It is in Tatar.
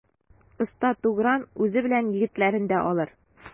Оста Тугран үзе белән егетләрен дә алыр.